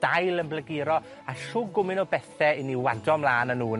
dail yn blaguro, a shw gwmyn o bethe i ni wado mlan â nw yn